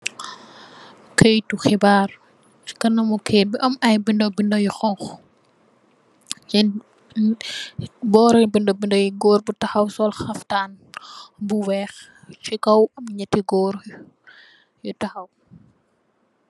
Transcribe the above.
aiyit xibaar ci kanaam aiyit am ayi bind bind yu xongo burri bind bind goor bu tahaw sol xaftann bu weex ci kaw am niti goor yu tahaw.